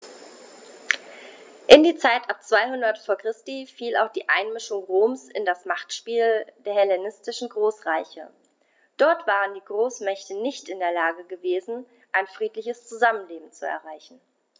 In die Zeit ab 200 v. Chr. fiel auch die Einmischung Roms in das Machtspiel der hellenistischen Großreiche: Dort waren die Großmächte nicht in der Lage gewesen, ein friedliches Zusammenleben zu erreichen.